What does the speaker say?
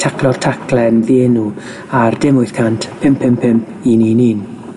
Taclo'r Tacle'n ddienw ar dim wyth cant pum pum pump un un un.